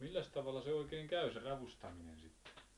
milläs tavalla se oikein käy se ravustaminen sitten